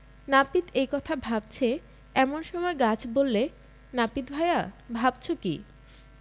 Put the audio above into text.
নাপিত এই কথা ভাবছে এমন সময় গাছ বললে নাপিত ভায়া ভাবছ কী